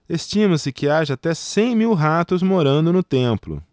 estima-se que haja até cem mil ratos morando no templo